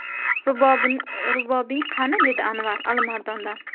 rubobing qani dedi anvar alimardondan